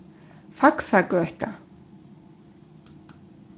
faksagøta